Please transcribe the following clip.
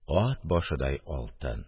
– ат башыдай алтын